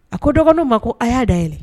A ko dɔgɔnunw ma ko a' y'a dayɛlɛ